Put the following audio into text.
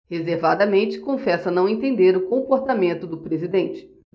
reservadamente confessa não entender o comportamento do presidente